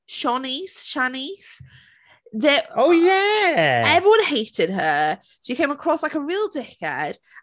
Shonice? Shanice? The-... O ie! ...Everyone hated her. She came across like a real dickhead.